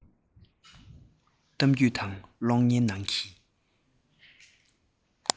སྒྲུང གཏམ དང གློག བརྙན ནང གི